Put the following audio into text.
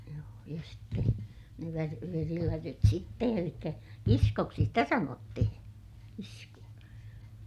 joo ja sitten ne - verilätyt sitten eli kiskoksi sitä sanottiin kiskoa